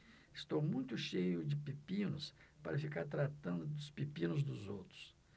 estou muito cheio de pepinos para ficar tratando dos pepinos dos outros